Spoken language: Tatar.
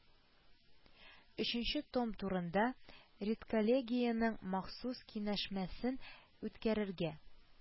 Өченче том турында редколлегиянең махсус киңәшмәсен үткәрергә